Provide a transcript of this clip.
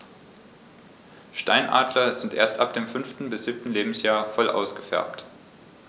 Steinadler sind erst ab dem 5. bis 7. Lebensjahr voll ausgefärbt.